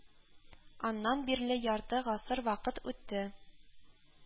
Аннан бирле ярты гасыр вакыт үтте